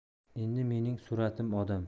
endi mening suratim odam